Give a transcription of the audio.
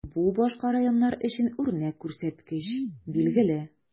Бу башка районнар өчен үрнәк күрсәткеч, билгеле.